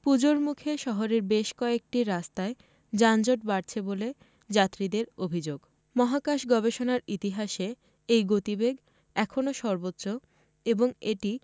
পূজোর মুখে শহরের বেশ কয়েকটি রাস্তায় যানজট বাড়ছে বলে যাত্রীদের অভি্যোগ মহাকাশ গবেষণার ইতিহাসে এই গতিবেগ এখনও সর্বোচ্চ এবং এটি